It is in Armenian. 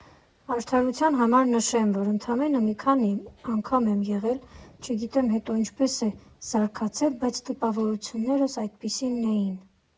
Արդարության համար նշեմ, որ ընդամենը մի անգամ եմ եղել, չգիտեմ՝ հետո ինչպես է զարգացել, բայց տպավորություններս այդպիսինն էին։